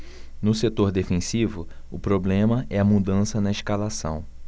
no setor defensivo o problema é a mudança na escalação